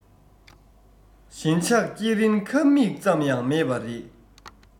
ཞེན ཆགས སྐྱེ རིན ཁབ མིག ཙམ ཡང མེད པ རེད